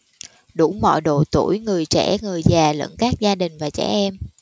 đủ mọi độ tuổi người trẻ người già lẫn các gia đình và trẻ em